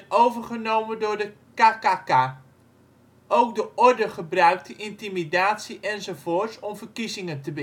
overgenomen door de KKK. Ook de Order gebruikte intimidatie enzovoorts om verkiezingen te